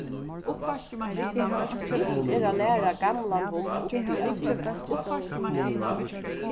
ilt er at læra gamlan hund uppi at sita